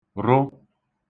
-rụ